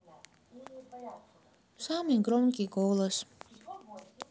самый громкий голос